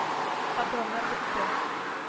Патроннар бетте